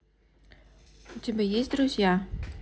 у тебя есть друзья